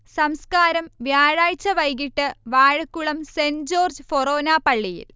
സംസ്കാരം വ്യാഴാഴ്ച വൈകീട്ട് വാഴക്കുളം സെന്റ് ജോർജ് ഫൊറോന പള്ളിയിൽ